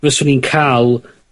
Fyswn i'n ca'l